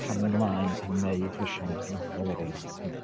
Camu ymlaen a wneud fersiynau penodol o'r AI o hynny